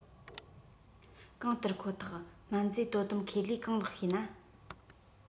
གང ལྟར ཁོ ཐག སྨན རྫས དོ དམ ཁེ ལས གང ལགས ཤེ ན